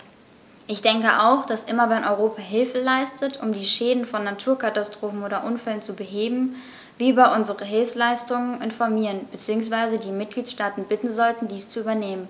Ich denke auch, dass immer wenn Europa Hilfe leistet, um die Schäden von Naturkatastrophen oder Unfällen zu beheben, wir über unsere Hilfsleistungen informieren bzw. die Mitgliedstaaten bitten sollten, dies zu übernehmen.